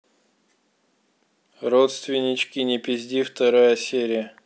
родственнички не пизди вторая серия